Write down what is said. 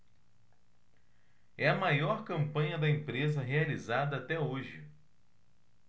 é a maior campanha da empresa realizada até hoje